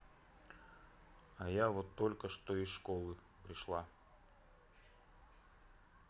а я вот только что из школы пришла